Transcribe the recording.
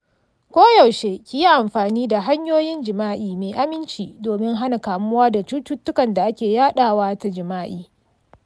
koyaushe ki yi amfani da hanyoyin jima'i mai aminci domin hana kamuwa da cututtukan da ake yadawa ta jima'i.